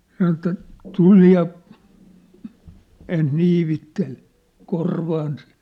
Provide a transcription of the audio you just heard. sanoi että tuli ja ensin niivitteli korvaansa